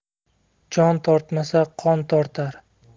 jon tortmasa qon tortar